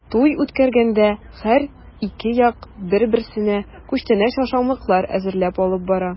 Туй үткәргәндә һәр ике як бер-берсенә күчтәнәч-ашамлыклар әзерләп алып бара.